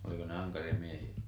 oliko ne ankaria miehiä